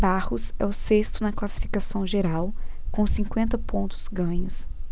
barros é o sexto na classificação geral com cinquenta pontos ganhos